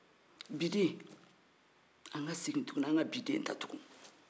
bi den an ka segin tugu ni an ka bi den ta tugu